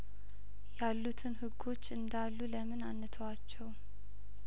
ያሉትን ህጐች እንዳሉ ለምን አንተዋቸውም